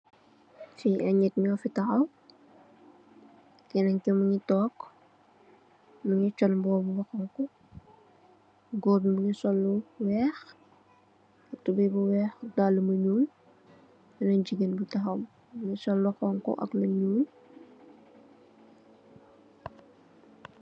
Fii ay nit ñoo fi taxaw, ñenen tam ñu ngi toog, ñu ngi sol mbuba bu xoñxu, goor bi mu ngi sol lu weex, tubooy bu weex, dallë bu ñuul, bénen jigéen bu taxaw, mu ngi sol mbuba bu xoñxu.